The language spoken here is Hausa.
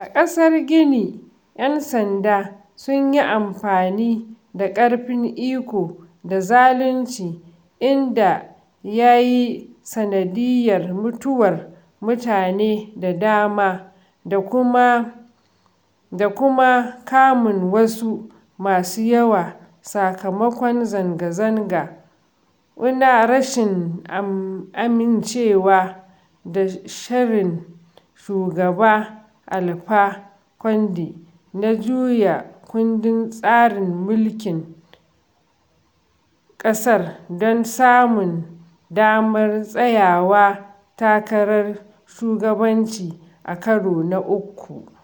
A ƙasar ta Gini, 'yan sanda sun yi amfani da ƙarfin iko da zalinci, inda ya yi sanadiyyar mutuwar mutane da dama da kuma kamun wasu masu yawa, sakamakon zanga-zanga una rashin amincewa da shirin Shugaba Alpha Conde na juya kundin tsariin mulkin ƙasar don samun damar tsayawa takarar shugabanci a karo na uku.